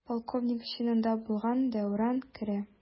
Полковник чинында булган Дәүран керә.